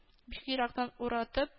Бик ерактан уратып